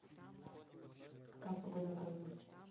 какая погода в развилке